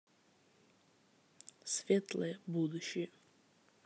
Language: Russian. светлое будущее